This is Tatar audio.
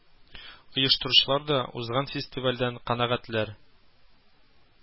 Оештыручылар да узган фестивальдән канәгатьләр